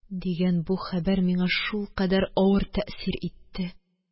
Дигән бу хәбәр миңа шулкадәр авыр тәэсир итте